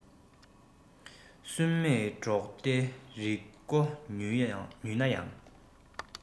སུན མེད འབྲོག སྡེའི རི སྒོ ཉུལ ན ཡང